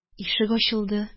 Ишек ачылды